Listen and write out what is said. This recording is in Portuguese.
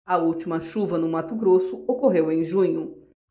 a última chuva no mato grosso ocorreu em junho